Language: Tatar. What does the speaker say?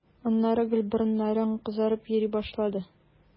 Аннары гел борыннарың кызарып йөри башлады.